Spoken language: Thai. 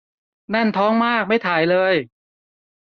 แน่นท้องมากไม่ถ่ายเลย